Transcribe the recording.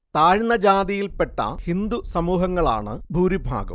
താഴ്ന്ന ജാതിയിൽ പെട്ട ഹിന്ദു സമൂഹങ്ങളാണ് ഭൂരിഭാഗവും